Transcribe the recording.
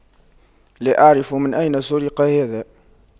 لا اعرف من اين سرق هذا